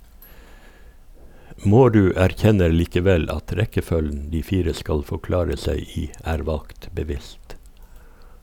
Maurud erkjenner likevel at rekkefølgen de fire skal forklare seg i er valgt bevisst.